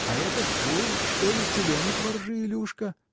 А это твой, что ли, теленок во ржи, Илюшка?